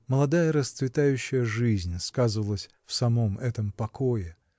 молодая расцветающая жизнь сказывалась в самом этом покое.